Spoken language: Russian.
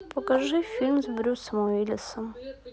покажи фильмы с брюсом уиллисом